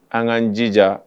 An'an jija